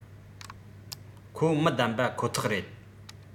ཁོ མི བདམས པ ཁོ ཐག རེད